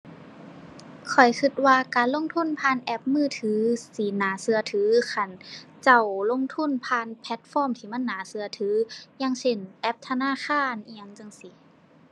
ข้อยคิดว่าการลงทุนผ่านแอปมือถือสิน่าคิดถือ คันเจ้าลงทุนผ่านแพลตฟอร์มที่มันน่าคิดถือ อย่างเช่น แอปธนาคารอิหยังจั่งซี้